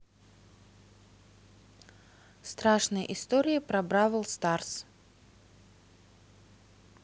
страшные истории про бравл старс